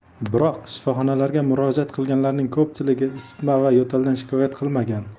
biroq shifoxonalarga murojaat qilganlarning ko'pchiligi isitma va yo'taldan shikoyat qilmagan